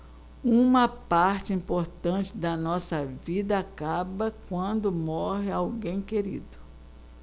uma parte importante da nossa vida acaba quando morre alguém querido